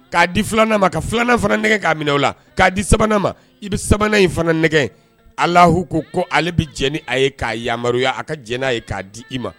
K'a di 2 nan ma ka 2 nan fana nɛgɛ k'a minɛ o la k'a di 3 nan ma i be 3 nan in fana nɛgɛ Alahu ko ko ale bi jɛni a ye k'a yamaruya a ka jɛn'a ye k'a di i ma